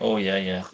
O, ie, ie.